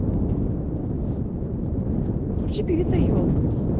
включи певица елка